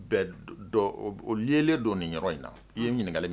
Bɛɛ dɔ o lié len don nin yɔrɔ in na i ye ɲininkali